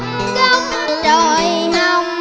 một góc trời hồng